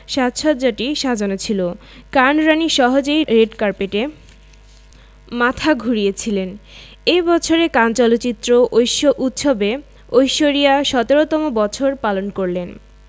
সাজ সজ্জাটি সাজানো ছিল কান রাণী সহজেই রেড কার্পেটে মাথা ঘুরিয়েছিলেন এ বছর কান চলচ্চিত্র উৎসবে ঐশ্বরিয়া ১৭তম বছর পালন করলেন